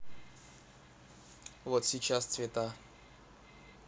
вот сейчас цвета